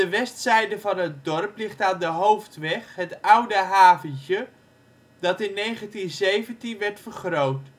westzijde van het dorp ligt aan de Hoofdweg het oude haventje, dat in 1917 werd vergroot